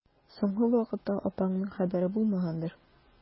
Соңгы вакытта апаңның хәбәре булмагандыр?